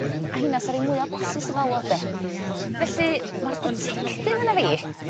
a heina sa'r rei mwya blasus i malwod 'de felly ma'r ditectif ynna fi